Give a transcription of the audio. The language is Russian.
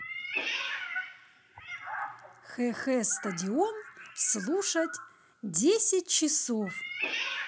xx стадион слушать десять часов